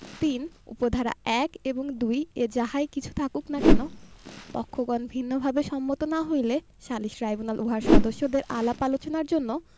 ৩ উপ ধারা ১ এবং ২ এ যাহাই কিছু থাকুক না কেন পক্ষগণ ভিন্নভাবে সম্মত না হইলে সালিস ট্রাইব্যুনাল উহার সদস্যদের আলাপ আলোচনার জন্য